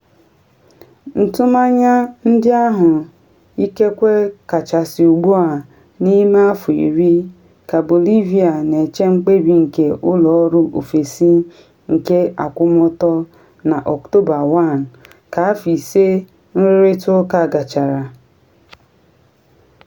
Ntụmanya ndị ahụ ikekwe kachasị ugbu a n’ime afọ iri, ka Bolivia na eche mkpebi nke ụlọ ọrụ ofesi nke akwụmọtọ na Ọktoba 1 ka afọ ise nrụrịta ụka gachara.